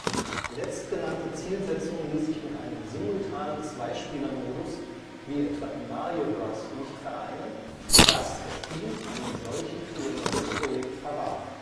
Letztgenannte Zielsetzung ließ sich mit einem simultanen Zweispielermodus wie etwa in Mario Bros. nicht vereinen, sodass das Team einen solchen für ihr neues Projekt verwarf